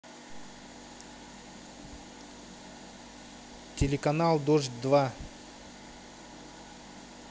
телеканал дождь два